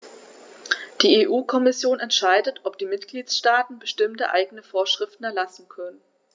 Die EU-Kommission entscheidet, ob die Mitgliedstaaten bestimmte eigene Vorschriften erlassen können.